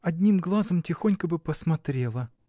одним глазом тихонько бы посмотрела.